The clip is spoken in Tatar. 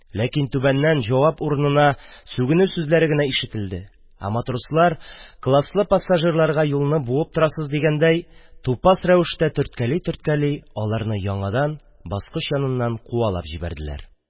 Ләкин түбәннән җавап урынына сүгенү сүзләре генә ишетелде, ә матрослар, класслы пассажирларга юлны буып торасыз дигәндәй, тупас рәвештә төрткәли-төрткәли аларны яңадан баскыч яныннан куалап җибәрделәр.